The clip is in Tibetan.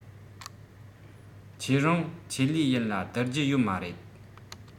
ཁྱེད རང ཆེད ལས ཡིན ལ བསྡུར རྒྱུ ཡོད མ རེད